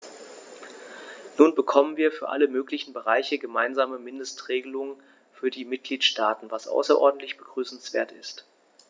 Nun bekommen wir für alle möglichen Bereiche gemeinsame Mindestregelungen für die Mitgliedstaaten, was außerordentlich begrüßenswert ist.